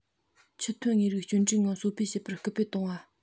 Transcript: ཆུ ཐོན དངོས རིགས སྐྱོན བྲལ ངང གསོ སྤེལ བྱེད པར སྐུལ སྤེལ གཏོང བ